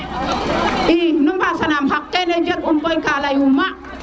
i nu mbasa naam xaq i kene jeg um koy ka leyuma